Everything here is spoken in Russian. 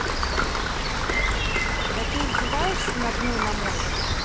да ты издеваешься над ной на мой